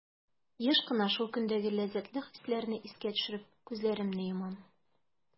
Еш кына шул көндәге ләззәтле хисләрне искә төшереп, күзләремне йомам.